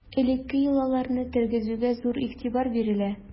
Элекке йолаларны тергезүгә зур игътибар бирелә.